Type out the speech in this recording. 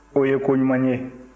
o ye ko ɲuman ye